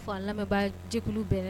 Fo, a lamɛnba jɛkulu bɛ